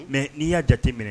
Mɛ n'i y'a jate minɛ